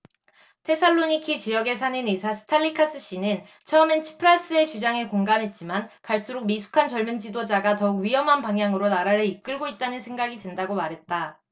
테살로니키 지역에 사는 의사 스탈리카스씨는 처음엔 치프라스의 주장에 공감했지만 갈수록 미숙한 젊은 지도자가 더욱 위험한 방향으로 나라를 이끌고 있다는 생각이 든다고 말했다